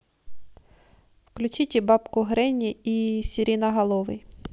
включите бабку гренни и сиреноголовый